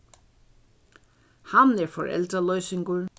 hann er foreldraloysingur